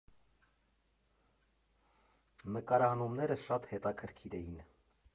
Նկարահանումները շատ հետաքրքիր էին։